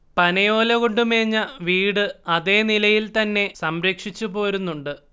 പനയോലകൊണ്ട് മേഞ്ഞ വീട് അതേ നിലയിൽ തന്നെ സംരക്ഷിച്ചുപോരുന്നുണ്ട്